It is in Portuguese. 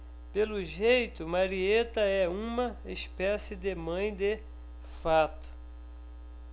pelo jeito marieta é uma espécie de mãe de fato